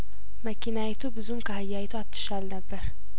መኪናዪቱ ብዙም ካህያዪቱ አትሻል ነበር